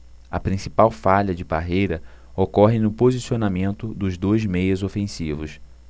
a principal falha de parreira ocorre no posicionamento dos dois meias ofensivos